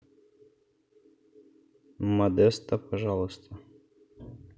модесто пожалуйста